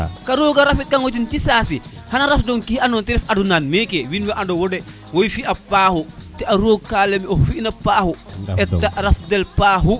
ka roga rafid kango ten ci saasi xana raf dong ke ando na ten ref aduna meke wiin we ande wo de waxey fiya paaxu te roog ka ley oxu fina paaxu e te raf del paaxu